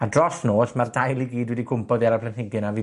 a dros nos, ma'r dail i gyd wedi cwmpo oddi ar y planhigyn a fi 'di